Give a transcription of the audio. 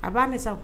A ba misa